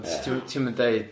Ond ti'm ti'm yn deud